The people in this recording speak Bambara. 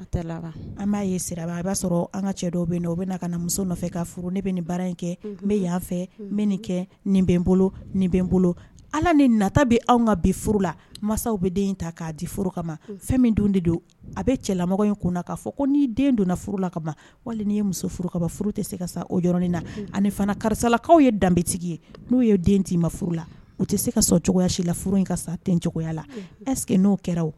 Nin bolo bolo ala ni nata bɛ ka la masaw bɛ den ta k'a di ka fɛn min don de don a bɛ cɛlamɔgɔ in ko k'a fɔ ko n' den donna furu la ka walima n ye muso furu ka furu tɛ se ka oɔrɔnin na ani fana karisalakaw ye danbebetigi ye n'o ye den t'i ma furu la u tɛ se ka cogoyaya si la in kaya laseke n'o kɛra